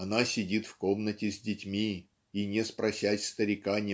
она сидит в комнате с детьми и не спросясь старика